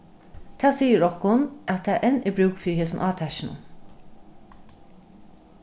tað sigur okkum at tað enn er brúk fyri hesum átakinum